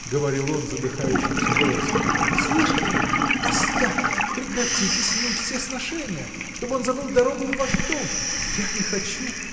– говорил он задыхающимся голосом, – слышите ли? оставьте прекратите с ним все сношения чтоб он забыл дорогу в ваш дом!. я не хочу.